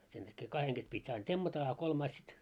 sen takia kahden kesken piti aina temmata a kolmas sitten